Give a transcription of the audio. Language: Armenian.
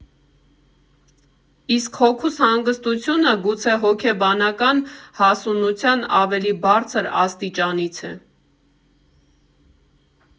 Իսկ հոգուս հանգստությունը գուցե հոգեբանական հասունության ավելի բարձր աստիճանից է։